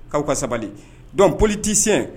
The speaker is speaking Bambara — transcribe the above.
'aw ka sabali dɔn poli tɛsen